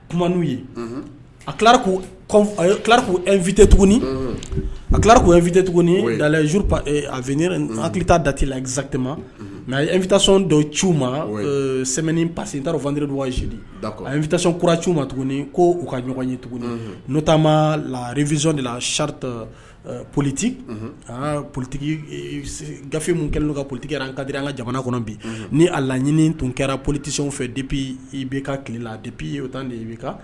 Aku vt tuguni arafit tuguni dalenuru v datilate'a vta sɔn dɔ ci ma sɛ pa n an teridu wa zz a ye nta sɔn kuraci ma tuguni ko u ka ɲɔgɔn ye tugun n'o lare2z de la sari politi politigi gafe minnu kɛlen don ka politi kadi an ka jamana kɔnɔ bi ni a laɲiniini tun kɛra politisi fɛ dipi i bɛ ka ki la dipi ye o tan de bɛ kan